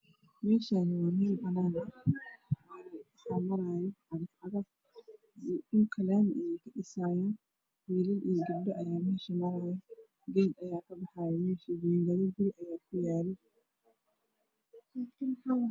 Meshani waa meel banaan ah waxaa maraya cagaf cagaf dhulka lami ayeey ka dhisayo wiilaal iyo gabdho ayaa mesha marayo geed ayaa ka baxaaya mesha jingado guri ayaa ku yalo